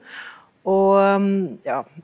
og ja.